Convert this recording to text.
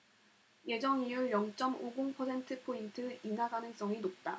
예정이율 영 쩜 오 공 퍼센트포인트 인하 가능성이 높다